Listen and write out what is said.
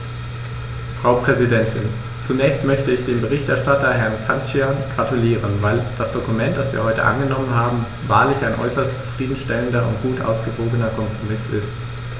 Frau Präsidentin, zunächst möchte ich dem Berichterstatter Herrn Cancian gratulieren, weil das Dokument, das wir heute angenommen haben, wahrlich ein äußerst zufrieden stellender und gut ausgewogener Kompromiss ist.